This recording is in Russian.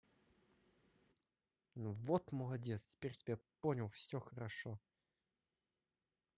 ну вот молодец теперь тебя понял все хорошо